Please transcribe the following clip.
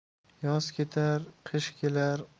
yoz ketar qish kelar